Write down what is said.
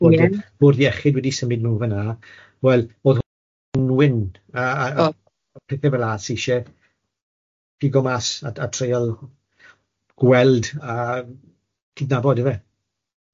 bod y bwrdd iechyd wedi symud mewn fan'na, wel o'dd yy yy pethe fela sy isie pigo mas a treial gweld a cydnabod yndyfe.